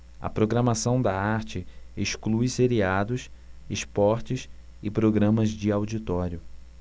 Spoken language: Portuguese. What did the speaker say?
a programação da arte exclui seriados esportes e programas de auditório